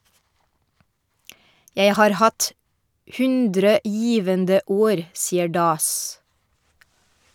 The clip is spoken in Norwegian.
- Jeg har hatt 100 givende år , sier Das.